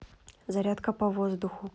зарядка по воздуху